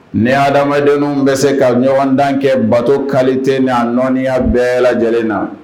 Ne y'a adamadamadenw bɛ se ka ɲɔgɔn dan kɛ bato kalite naa nɔya bɛɛ yɛlɛ lajɛlen na